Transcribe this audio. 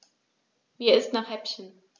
Mir ist nach Häppchen.